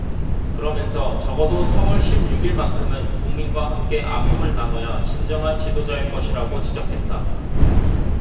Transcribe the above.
그러면서 적어도 사 월 십 육 일만큼은 국민과 함께 아픔을 나눠야 진정한 지도자일 것이라고 지적했다